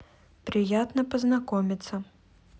приятно познакомиться